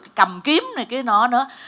cầm kiếm này kia nọ nữa